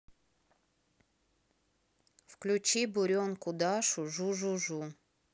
включи буренку дашу жу жу жу